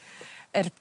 yr